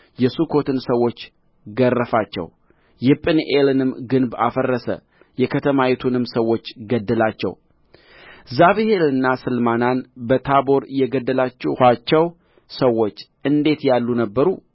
የሱኮትን ሰዎች ገረፋቸው የጵኒኤልንም ግንብ አፈረሰ የከተማይቱንም ሰዎች ገደላቸው ዛብሄልንና ስልማናን በታቦር የገደላችኋቸው ሰዎች እንዴት ያሉ ነበሩ